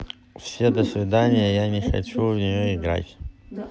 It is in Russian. все до свидания я не хочу в нее играть